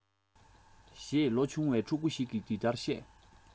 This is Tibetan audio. ཞེས ལོ ཆུང བའི ཕྲུ གུ ཞིག གི འདི ལྟར གཤས